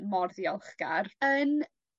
...mor ddiolchgar. Yn